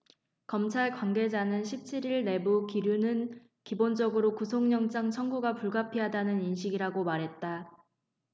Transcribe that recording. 검찰 관계자는 십 칠 일 내부 기류는 기본적으로 구속영장 청구가 불가피하다는 인식이라고 말했다